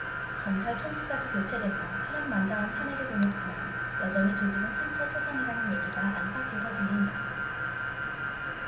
경찰 총수까지 교체되며 파란만장한 한 해를 보냈지만 여전히 조직은 상처 투성이라는 얘기가 안팎에서 들린다